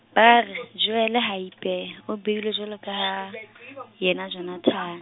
ba re, Joele ha a ipeha, o behilwe jwalo ka ha, yena Jonathane.